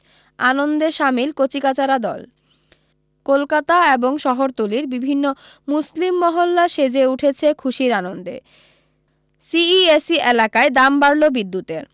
আনন্দে সামিল কচিকাঁচারা দল কলকাতা এবং শহরতলির বিভিন্ন মুসলিম মহল্লা সেজে উঠেছে খুশির আনন্দে সিইএসসি এলাকায় দাম বাড়ল বিদ্যুতের